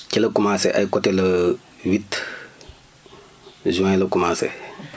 ci la commencé ay côté le huit juin la commencé